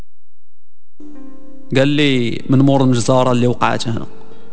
قال لي من مرزداران لوقعتها